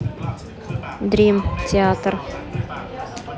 дрим театр